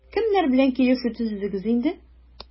Кемнәр белән килешү төзедегез инде?